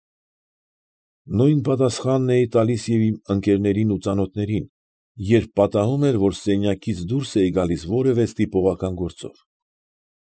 Նույն պատասխանն էի տալիս և՛ իմ ընկերներին ու ծանոթներին, երբ պատահում էր, որ սենյակիցս դուրս էի գալիս որևէ ստիպողական գործով։